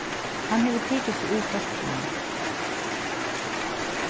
hann hevur tikið seg úr flokkinum